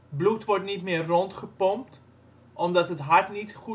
Bloed wordt niet meer rondgepompt omdat het hart niet